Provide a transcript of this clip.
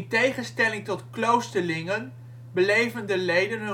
tegenstelling tot kloosterlingen beleven de leden